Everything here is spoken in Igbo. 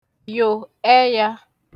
yo ẹyā